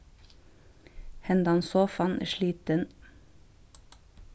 hendan sofan er slitin